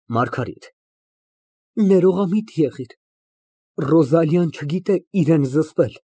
ՄԱՐԳԱՐԻՏ ֊ Ներողամիտ եղիր, Ռոզալիան չգիտե իրան զսպել։